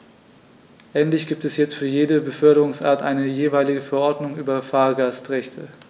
Endlich gibt es jetzt für jede Beförderungsart eine jeweilige Verordnung über Fahrgastrechte.